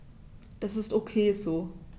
Das ist ok so.